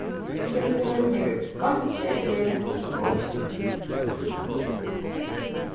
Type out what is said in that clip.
filmurin hevur einki at gera við bókina